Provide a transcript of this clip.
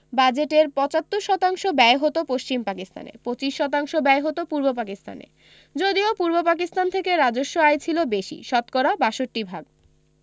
বাজেটের ৭৫% ব্যয় হতো পশ্চিম পাকিস্তানে ২৫% ব্যয় হতো পূর্ব পাকিস্তানে যদিও পূর্ব পাকিস্তান থেকে রাজস্ব আয় ছিল বেশি শতকরা ৬২ ভাগ